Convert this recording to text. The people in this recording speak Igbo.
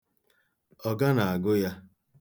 Ọga na-agụ ya.